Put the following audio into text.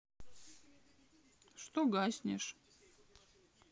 что гаснешь